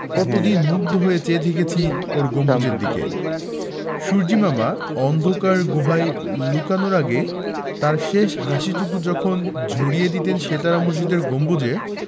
কতদিন মুগ্ধ হয়ে চেয়ে থেকেছি ওর গম্বুজের দিকে সূর্য্যিমামা অন্ধকার গুহায় লুকানোর আগে তাঁর শেষ হাসিটুকু যখন ঝরিয়ে দিতেন সিতারা মসজিদের গম্বুজে